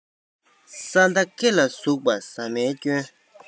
ས མདའ སྐེ ལ ཟུག པ ཟ མའི སྐྱོན